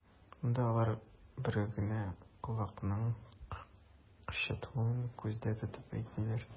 Монда алар бер генә колакның кычытуын күздә тотып әйтмиләр.